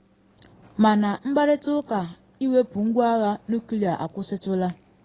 Mana mkparịta ụka iwepu ngwa agha nuklịa akwụsịtụla.